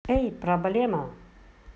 эй проблема